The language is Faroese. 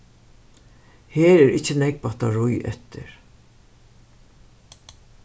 her er ikki nógv battarí eftir